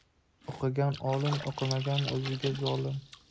o'qigan olim o'qimagan o'ziga zolim